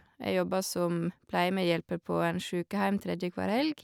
Jeg jobber som pleiemedhjelper på en sjukeheim tredjehver helg.